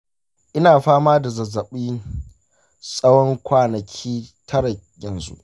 ina fama da zazzaɓi tsawon kwanaki tara yanzu.